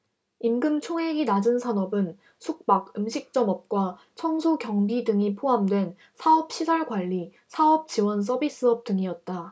임금총액이 낮은 산업은 숙박 음식점업과 청소 경비 등이 포함된 사업시설관리 사업지원서비스업 등이었다